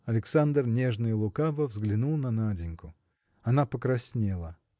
Александр нежно и лукаво взглянул на Наденьку. Она покраснела.